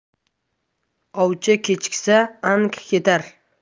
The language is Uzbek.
ovchi kechiksa ang ketar